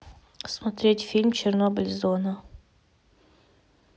смотреть фильм чернобыль зона